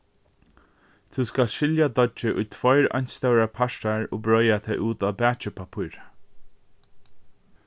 tú skalt skilja deiggið í tveir eins stórar partar og breiða tað út á bakipappírið